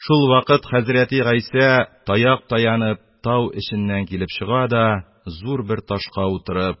Шул вакыт хәзрәте Гыйса, таяк таянып, тау эченнән чыга да, зур бер ташка утырып,